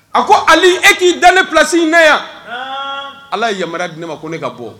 A ko ali e k'i dalen plasi na yan ala yama di ne ma ko ne ka bɔ